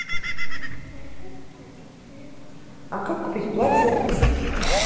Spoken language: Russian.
а как купить платье из фильма